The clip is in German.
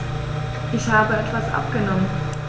Ich habe etwas abgenommen.